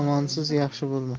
yomonsiz yaxshi bo'lmas